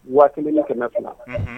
Waati ni kɛmɛ kunna